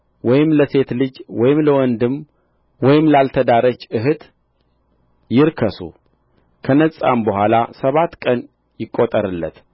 ወይም ለሴት ልጅ ወይም ለወንድም ወይም ላልተዳረች እኅት ይርከሱ ከነጻም በኋላ ሰባት ቀን ይቈጠርለት